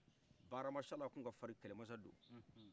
bakari amadu sala tun ka farin kɛlɛ masado